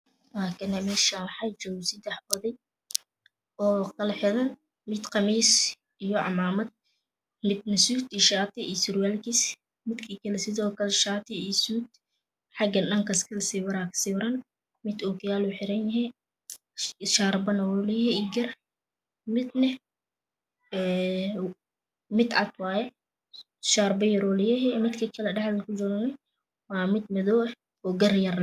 Wakana meshan waxa jogo sadax okay kala xiran midna qamis iyo cimamad midna suud iyo shaati surwaalkiis mika kale shaati suud xalkaas kale sawira ku sawiran mid okayaal xiran yahay Shaarbo ayu leyahy iyo gar midna cad wayay sharbo yar leyahy midka kale wo madow yahy gar yar ayu leyahy